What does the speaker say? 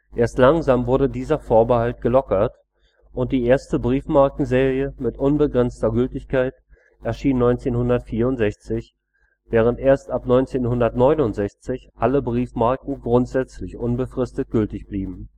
Erst langsam wurde dieser Vorbehalt gelockert, und die erste Briefmarkenserie mit unbegrenzter Gültigkeit erschien 1964, während erst ab 1969 alle Briefmarken grundsätzlich unbefristet gültig blieben